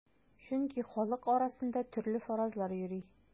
Чөнки халык арасында төрле фаразлар йөри.